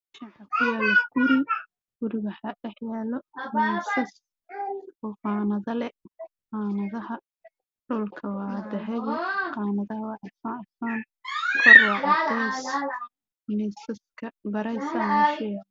Meeshaan waxaa ku yaalo guri. guriga waxa dhaxyaalo miisas qaanado leh